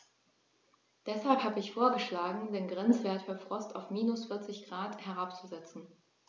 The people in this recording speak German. Deshalb habe ich vorgeschlagen, den Grenzwert für Frost auf -40 ºC herabzusetzen.